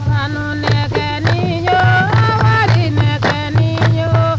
sanunɛgɛnin yo warinɛgɛnin yo